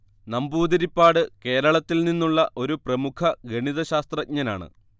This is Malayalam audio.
നമ്പൂതിരിപ്പാട്കേരളത്തിൽ നിന്നുള്ള ഒരു പ്രമുഖ ഗണീതശാസ്ത്രജ്ഞനാണ്